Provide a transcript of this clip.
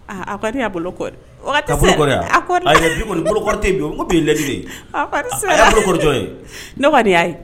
Aaa a ko'a bolo la y'a ye